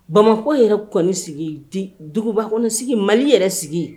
Bamakɔ yɛrɛ kɔni sigi duguba kɔni sigi mali yɛrɛ sigi yen